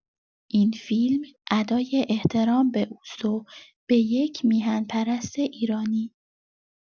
این فیلم ادای احترام به اوست و به یک میهن‌پرست ایرانی.